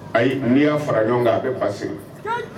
Ayi n'i y'a fara ɲɔgɔn kan a bɛ ba segin